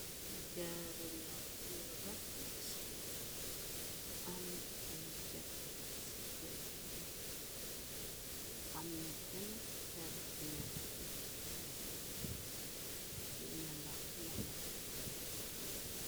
Jaaru na buyu rafat am ay jatcar ci begge amna tamit per bu nakk jëddikkbe de melax melaxe.